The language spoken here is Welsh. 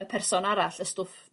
y person arall y stwff...